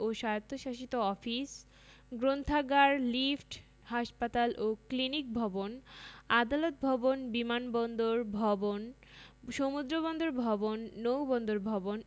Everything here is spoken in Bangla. ও স্বায়ত্তশাসিত অফিস গ্রন্থাগান লিফট হাসপাতাল ও ক্লিনিক ভবন আদালত ভবন বিমানবন্দর ভবন সমুদ্র বন্দর ভবন নৌ বন্দর ভবন